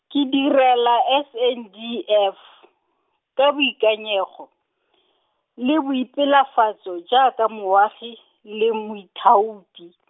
ke direla S A N D F, ka boikanyego , le boipelafatso jaaka moagi le moithaopi.